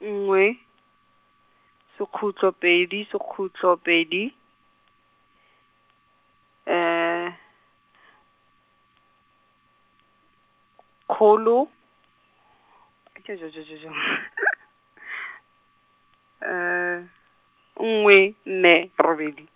nngwe, sekhutlo pedi, sekhutlo pedi, , kgolo, ,, nngwe, nne, robedi.